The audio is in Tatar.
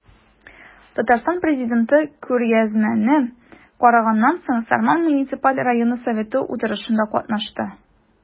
Татарстан Президенты күргәзмәне караганнан соң, Сарман муниципаль районы советы утырышында катнашты.